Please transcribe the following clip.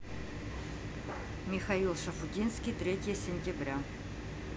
михаил шуфутинский третье сентября